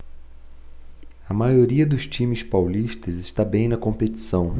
a maioria dos times paulistas está bem na competição